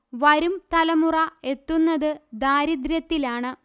വരും തലമുറ എത്തുന്നത് ദാരിദ്ര്യത്തിലാണ്